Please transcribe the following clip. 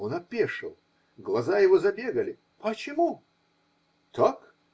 Он опешил, глаза его забегали. -- Почему? -- Так.